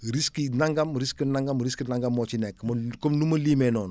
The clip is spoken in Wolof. risques yi nangam risque nagam risque nagam moo ci nekk man comme ni ma limee noonu